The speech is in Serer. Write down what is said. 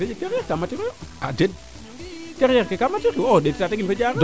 non waagate jeg carriere kaa matiro yo wo o ndeeti Tataguine fo o Diarekh